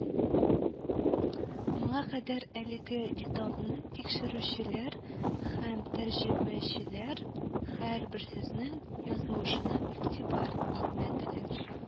Моңа кадәр әлеге китапны тикшерүчеләр һәм тәрҗемәчеләр һәрбер сүзнең язылышына игътибар итмәделәр